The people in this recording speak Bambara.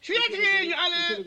Suya tigi ye ɲalɛɛ